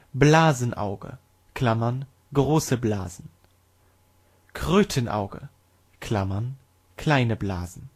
Blasenauge (große Blasen) Krötenauge (kleine Blasen